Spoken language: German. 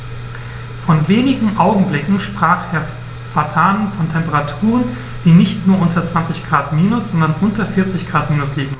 Vor wenigen Augenblicken sprach Herr Vatanen von Temperaturen, die nicht nur unter 20 Grad minus, sondern unter 40 Grad minus liegen.